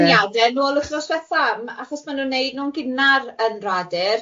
Canlyniadau nôl wythos ddiwethaf achos ma' nhw'n wneud nhw'n gynnar yn radur.